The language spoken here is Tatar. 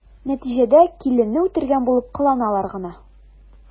Нәтиҗәдә киленне үтергән булып кыланалар гына.